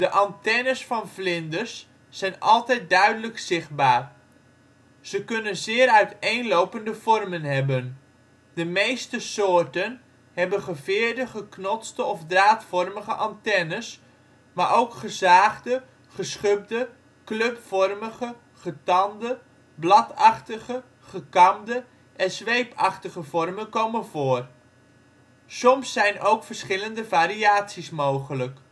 antennes van vlinders zijn altijd duidelijk zichtbaar. Ze kunnen zeer uiteenlopende vormen hebben; de meeste soorten hebben geveerde, geknotste of draadvormige antennes, maar ook gezaagde, geschubde, clubvormige, getande, bladachtige, gekamde en zweepachtige vormen komen voor. Soms zijn ook verschillende variaties mogelijk